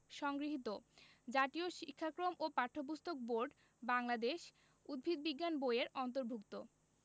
সংগৃহীত জাতীয় শিক্ষাক্রম ও পাঠ্যপুস্তক বোর্ড বাংলাদেশ উদ্ভিদ বিজ্ঞান বই এর অন্তর্ভুক্ত